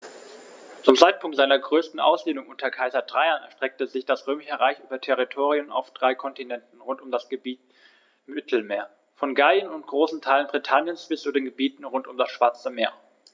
Zum Zeitpunkt seiner größten Ausdehnung unter Kaiser Trajan erstreckte sich das Römische Reich über Territorien auf drei Kontinenten rund um das Mittelmeer: Von Gallien und großen Teilen Britanniens bis zu den Gebieten rund um das Schwarze Meer.